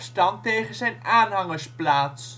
aanhangers plaats